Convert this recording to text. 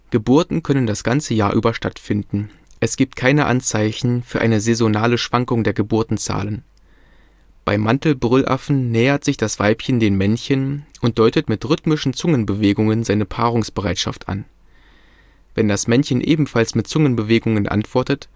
Geburten können das ganze Jahr über stattfinden, es gibt keine Anzeichen für eine saisonale Schwankung der Geburtenzahlen. Beim Mantelbrüllaffen nähert sich das Weibchen den Männchen und deutet mit rhythmischen Zungenbewegungen seine Paarungsbereitschaft an. Wenn das Männchen ebenfalls mit Zungenbewegungen antwortet